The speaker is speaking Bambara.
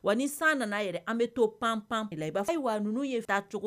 Wa san nana yɛrɛ an bɛ to pan pananp la i b'a fɔ wa n ninnu ye taa cogo